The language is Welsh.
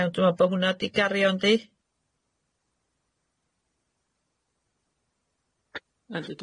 Iawn dwi me'wl bo' hwnna 'di gario yndi?